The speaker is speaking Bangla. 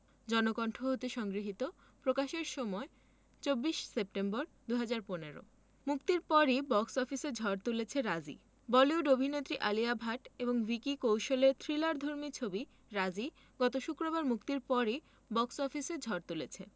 জনকণ্ঠ হতে সংগৃহীত প্রকাশের সময় ২৪ সেপ্টেম্বর ২০১৫ মুক্তির পরই বক্স অফিসে ঝড় তুলেছে রাজি বলিউড অভিনেত্রী আলিয়া ভাট এবং ভিকি কৌশলের থ্রিলারধর্মী ছবি রাজী গত শুক্রবার মুক্তির পরই বক্স অফিসে ঝড় তুলেছে